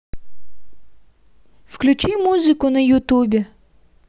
включи музыку на ютубе